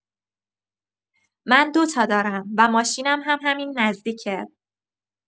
من دوتا دارم و ماشینم هم همین نزدیکه.